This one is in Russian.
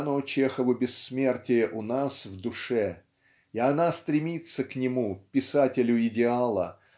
дано Чехову бессмертие у нас в душе и она стремится к нему писателю идеала